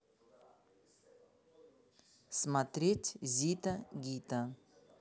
смотреть зита гита